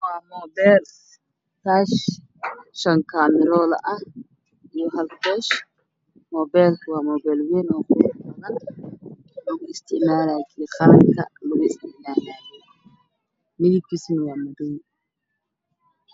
Waa moobeel taash shan kaamiroola ah iyo hal toosh moobeelka waa moobeel wayn oo qurux badan oo lagu isticmaalaayay qalin lagu isticmaalaayay midabkiisa waa madow.